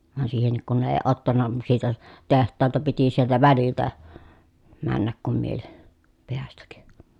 vaan siihenkin kun ne ei ottanut siitä olisi tehtaalta piti sieltä väliltä mennä kun mieli päästä